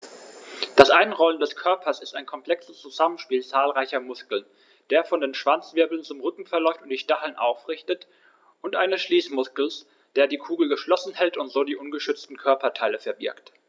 Das Einrollen des Körpers ist ein komplexes Zusammenspiel zahlreicher Muskeln, der von den Schwanzwirbeln zum Rücken verläuft und die Stacheln aufrichtet, und eines Schließmuskels, der die Kugel geschlossen hält und so die ungeschützten Körperteile verbirgt.